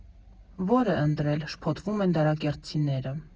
«Ո՞րը ընտրել»,֊շփոթվում են դարակերտցիները։